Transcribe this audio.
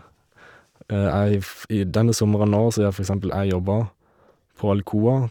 æ if I denne sommeren nå så har for eksempel jeg jobba på Alcoa.